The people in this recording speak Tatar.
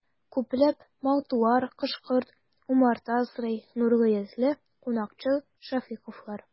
Күпләп мал-туар, кош-корт, умарта асрый нурлы йөзле, кунакчыл шәфыйковлар.